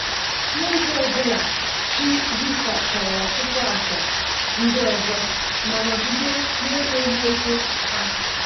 N'ụzọ ọbụla chi visa chọrọ ọtụtụ àjà ndị ọzọ, ma nọgide n'ekweghịekwe ha.